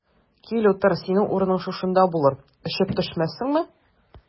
Кил, утыр, синең урының шушында булыр, очып төшмәссеңме?